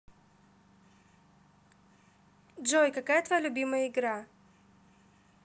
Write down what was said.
джой какая твоя любимая игра